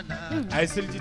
Ayi ye seli di